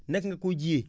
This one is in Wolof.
naka nga koy jiyee